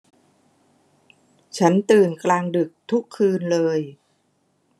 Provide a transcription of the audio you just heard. ฉันตื่นกลางดึกทุกคืนเลย